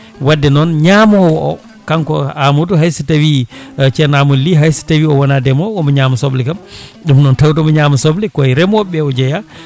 wadde noon ñamowo o kanko Amadou hayso tawi ceerno Amadou Ly hayso tawi o wona ndeemowo omo ñaama soble kam ɗum noon tawde omo ñama soble kooye remoɓe o jeeya